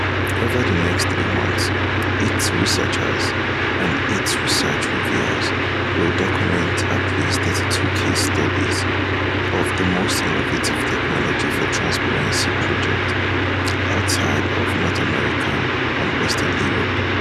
Over the next three months eight researchers and eight research reviewers will document at least 32 case studies of the most innovative technology for transparency projects outside of North America and Western Europe.